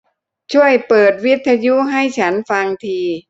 ช่วยเปิดวิทยุให้ฉันฟังที